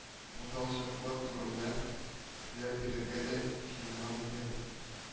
Буталчыклык турында сөйләп бирергә дә җыенган иде